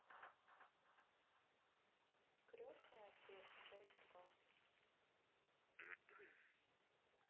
крестный отец часть два